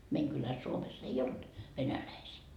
meidän kylässä Suomessa ei ollut venäläisiä